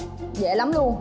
dể lắm luôn